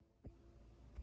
Ավարտել եմ ԶՈՎԵՏ ինստիտուտը։